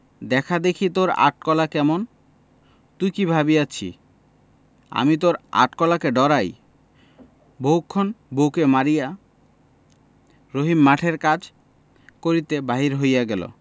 দেখা দেখি তোর আট কলা কেমন তুই কি ভাবিয়াছি আমি তোর আট কলাকে ডরাই বহুক্ষণ বউকে মারিয়া রহিম মাঠের কাজ করিতে বাহির হইয়া গেল